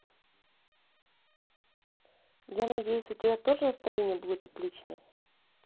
я надеюсь у тебя тоже настроение будет отличное